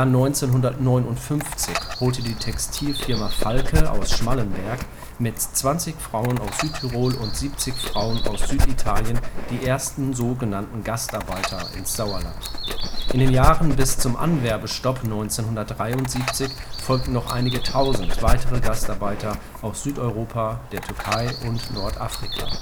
1959 holte die Textilfirma Falke aus Schmallenberg mit 20 Frauen aus Südtirol und 70 Frauen aus Süditalien die ersten so genannten Gastarbeiter ins Sauerland. In den Jahren bis zum Anwerbestopp 1973 folgten noch einige Tausend weitere Gastarbeiter aus Südeuropa, der Türkei und Nordafrika